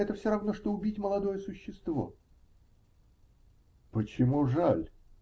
Это все равно, что убить молодое существо. -- Почему жаль?